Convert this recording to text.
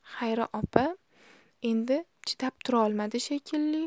xayri opa endi chidab turolmadi shekilli